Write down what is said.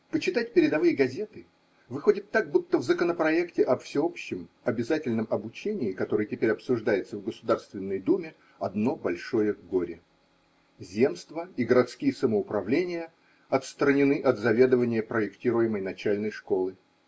Почитать передовые газеты – выходит так, будто в законопроекте о всеобщем обязательном обучении, который теперь обсуждается в Государственной Думе, одно большое горе: земства и городские самоуправления отстранены от заведования проектируемой начальной школы.